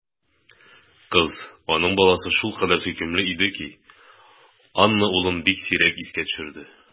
Кыз, аның баласы, шулкадәр сөйкемле иде ки, Анна улын бик сирәк искә төшерде.